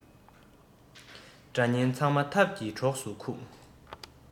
དགྲ གཉེན ཚང མ ཐབས ཀྱིས གྲོགས སུ ཁུག